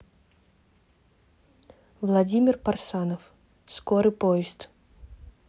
владимир парсанов скорый поезд